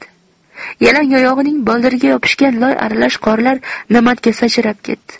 yalang oyog'ining boldiriga yopishgan loy aralash qorlar namatga sachrab ketdi